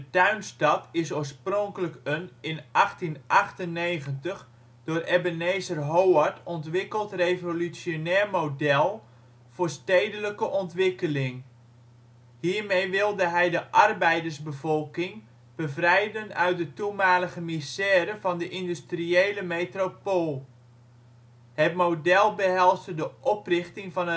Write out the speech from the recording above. tuinstad is oorspronkelijk een, in 1898, door Ebenezer Howard ontwikkeld revolutionair model voor stedelijke ontwikkeling. Hiermee wilde hij de arbeidersbevolking bevrijden uit de toenmalige misère van de industriële metropool. Het model behelsde de oprichting van